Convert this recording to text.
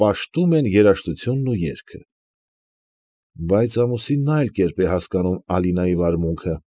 Պաշտում են երաժշտությունն ու երգը։ Բայց ամուսինն այլ կերպ է հասկանում Ալինայի վարմունքը։